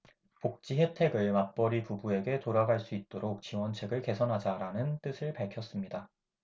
복지혜택을 맞벌이 부부에게 돌아갈 수 있도록 지원책을 개선하자 라는 뜻을 밝혔습니다